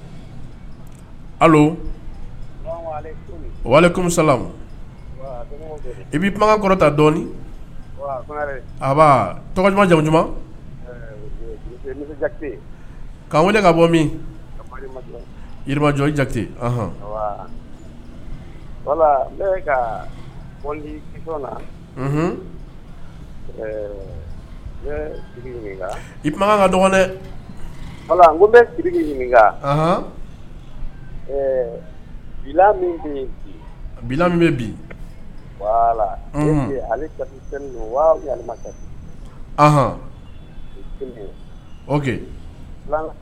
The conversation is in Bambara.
Sa i bɛ kuma kɔrɔta dɔɔnin' ka bɔ min ja ka dɔgɔnɛ